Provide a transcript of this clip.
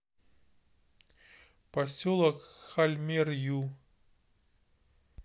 поселок хальмер ю